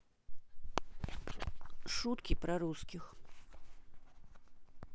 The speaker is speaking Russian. шутки про русских